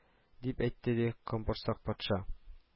Дип әйтте, ди, кампорсак патша